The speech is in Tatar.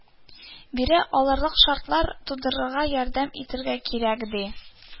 Бирә алырлык шартлар тудырырга, ярдәм итәргә кирәк, ди